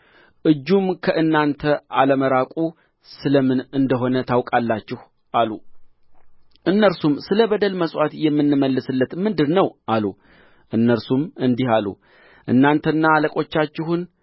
እጁም ከእናንተ አለመራቁ ስለ ምን እንደሆነ ታውቃላችሁ አሉ እነርሱም ስለ በደል መሥዋዕት የምንመልስለት ምንድር ነው አሉ እነርሱም እንዲህ አሉ እናንተንና አለቆቻችሁን